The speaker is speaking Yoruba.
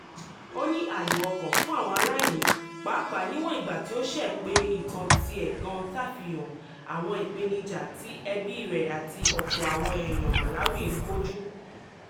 Ó ní ààyò ọkàn fún àwọn aláìní pàápàá níwọ̀n ìgbà tí ó ṣe pé ìtàn tiẹ̀ gan ṣàfihàn àwọn ìpènijà tí ẹbí rẹ̀ àti ọ̀pọ̀ àwọn èèyàn Malawi ń kojú.